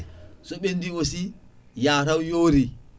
so ɓendi aussi yataw yoori